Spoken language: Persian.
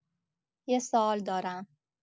یه سوال دارم